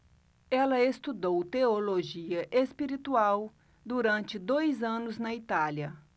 ela estudou teologia espiritual durante dois anos na itália